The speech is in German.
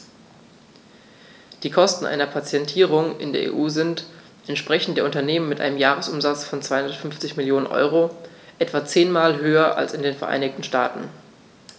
Die Kosten einer Patentierung in der EU sind, entsprechend der Unternehmen mit einem Jahresumsatz von 250 Mio. EUR, etwa zehnmal höher als in den Vereinigten Staaten.